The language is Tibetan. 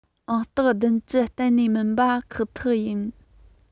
ཨང རྟགས ༧༠ གཏན ནས མིན པ ཁག ཐག ཡིན